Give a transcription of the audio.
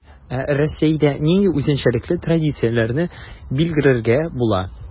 Ә Россиядә нинди үзенчәлекле тенденцияләрне билгеләргә була?